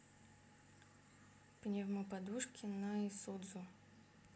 пневмоподушки на исудзу